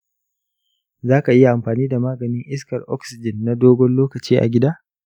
za ka iya amfana da maganin iskar oxygen na dogon lokaci a gida.